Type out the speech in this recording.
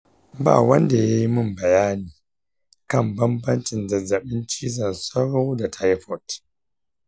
ba wanda ya yi min bayani kan bambancin zazzabin cizon sauro da taifoid.